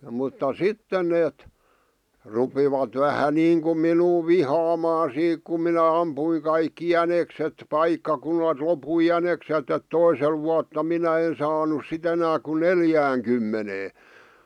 mutta sitten ne rupesivat vähän niin kuin minua vihaamaan siitä kun minä ammuin kaikki jänikset paikkakunnalta loppui jänikset että toisella vuotta minä en saanut sitten enää kuin neljäänkymmeneen